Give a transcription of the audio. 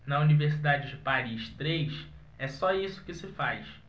na universidade de paris três é só isso que se faz